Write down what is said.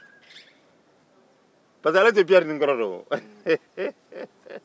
pariseke ale tɛ piyɛri kɔrɔ dɔn o